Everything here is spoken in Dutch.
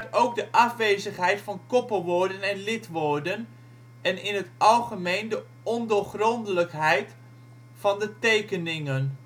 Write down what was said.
ook de afwezigheid van koppelwoorden en lidwoorden en in het algemeen de ondoorgrondelijkheid van de tekeningen